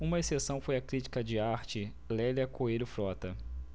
uma exceção foi a crítica de arte lélia coelho frota